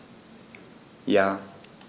Ja.